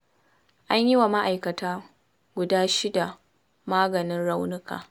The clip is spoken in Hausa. An yiwa ma'aikata guda shida maganin raunuka.